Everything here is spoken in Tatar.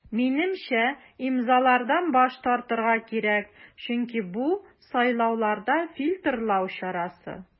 Минемчә, имзалардан баш тартырга кирәк, чөнки бу сайлауларда фильтрлау чарасы.